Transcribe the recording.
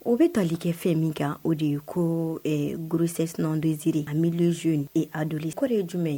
O bɛ tali kɛ fɛn min kan o de ko g7s ze mi zo'dli kɔrɔ de ye jumɛn ye